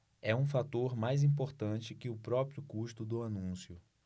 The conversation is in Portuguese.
é um fator mais importante que o próprio custo do anúncio